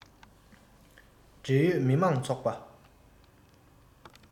འབྲེལ ཡོད མི དམངས ཚོགས པ